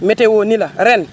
météo ni la ren